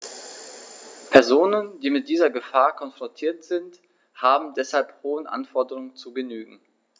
Personen, die mit dieser Gefahr konfrontiert sind, haben deshalb hohen Anforderungen zu genügen.